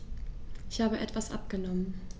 Ich habe etwas abgenommen.